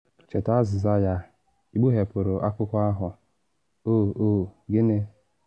Cheta azịza ya... i kpughepuru akwụkwọ ahụ - “oh, oh, gịnị?